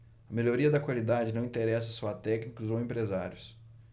a melhoria da qualidade não interessa só a técnicos ou empresários